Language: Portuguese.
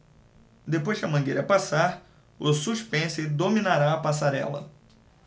depois que a mangueira passar o suspense dominará a passarela